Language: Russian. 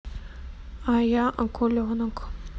а я акуленок